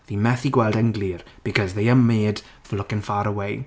Fi methu gweld e'n glir because they are made for looking far away.